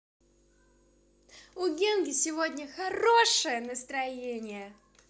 у генки сегодня хорошее настроение